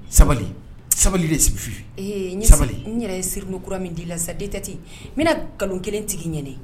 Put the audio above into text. Sabali de ee sabali n yɛrɛ ye siriku kura min' la sa tɛ ten n bɛna nkalon kelen tigi ɲ